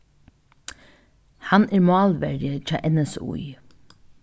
hann er málverji hjá nsí